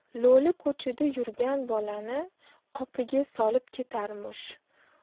lo'li ko'chada yurgan bolani qopiga solib ketarmish